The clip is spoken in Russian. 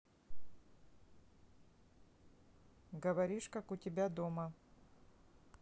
говоришь так у тебя дома